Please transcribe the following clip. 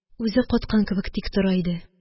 Үзе каткан кебек тик тора иде